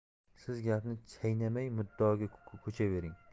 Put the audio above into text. siz gapni chaynamay muddaoga ko'chavering